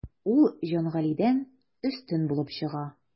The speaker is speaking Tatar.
Ул Җангалидән өстен булып чыга.